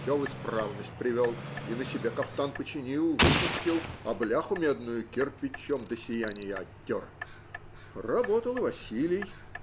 все в исправность привел и на себе кафтан починил, вычистил, а бляху медную кирпичом до сияния оттер. Работал и Василий.